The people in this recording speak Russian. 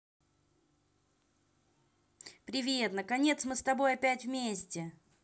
привет наконец мы с тобой опять вместе